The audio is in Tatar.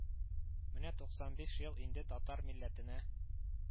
Менә туксан биш ел инде татар милләтенә